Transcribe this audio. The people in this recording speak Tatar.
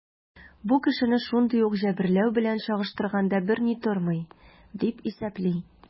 Бу кешене шундый ук җәберләү белән чагыштырганда берни тормый, дип исәпли.